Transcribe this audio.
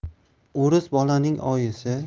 o'ris bolaning oyisi